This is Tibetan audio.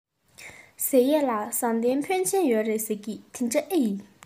ཟེར ཡས ལ ཟངས གཏེར འཕོན ཆེན ཡོད རེད ཟེར གྱིས དེ འདྲ ཨེ ཡིན